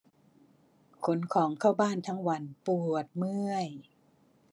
ขนของเข้าบ้านทั้งวันปวดเมื่อย